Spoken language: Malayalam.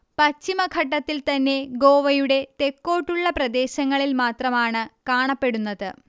പശ്ചിമഘട്ടത്തിൽ തന്നെ ഗോവയുടെ തെക്കോട്ടുള്ള പ്രദേശങ്ങളിൽ മാത്രമാണ് കാണപ്പെടുന്നത്